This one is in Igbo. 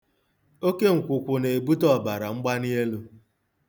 Oke nkwụkwụ na-ebute ọbara mgbalielu.